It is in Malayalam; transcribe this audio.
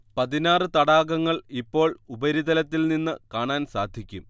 പതിനാറ് തടാകങ്ങൾ ഇപ്പോൾ ഉപരിതലത്തിൽ നിന്ന് കാണാൻ സാധിക്കും